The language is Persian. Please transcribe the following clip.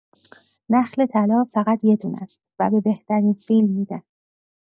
نخل طلا فقط یه دونه است و به بهترین فیلم می‌دن.